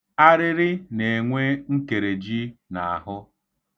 Arịrị na-enwe nkereji n'ahụ.